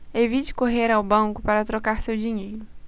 evite correr ao banco para trocar o seu dinheiro